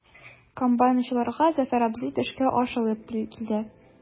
Комбайнчыларга Зөфәр абзый төшке аш алып килә.